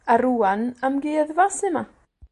A rŵan, amgueddfa sy 'ma.